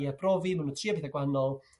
i arbrofi ma' nhw trio betha' gwa'nol,